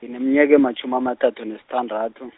ngineminyaka ematjhumi amathathu nesithandathu.